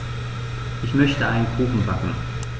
Ich möchte einen Kuchen backen.